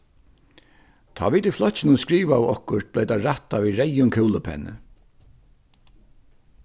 tá vit í flokkinum skrivaðu okkurt bleiv tað rættað við reyðum kúlupenni